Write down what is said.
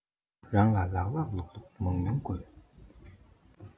རང ལ ལགས ལགས ལུགས ལུགས མང ཉུང དགོས